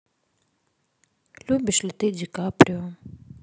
любишь ли ты ди каприо